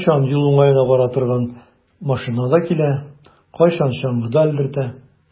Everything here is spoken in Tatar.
Кайчан юл уңаена бара торган машинада килә, кайчан чаңгыда элдертә.